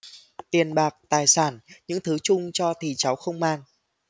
tiền bạc tài sản những thứ chung cho thì cháu không màng